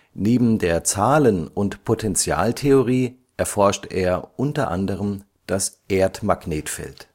Neben der Zahlen - und der Potentialtheorie erforschte er u. a. das Erdmagnetfeld